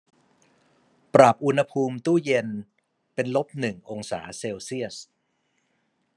ปรับอุณหภูมิตู้เย็นเป็นลบหนึ่งองศาเซลเซียส